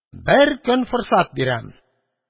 Бер көн форсат бирәм